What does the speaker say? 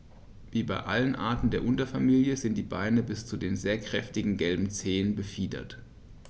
Wie bei allen Arten der Unterfamilie sind die Beine bis zu den sehr kräftigen gelben Zehen befiedert.